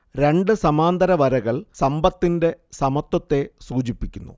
രണ്ട് സമാന്തര വരകൾ സമ്പത്തിന്റെ സമത്വത്തെ സൂചിപ്പിക്കുന്നു